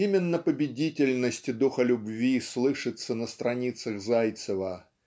Именно победительность духа любви слышится на страницах Зайцева